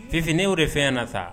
Fifinienw de fɛn na sa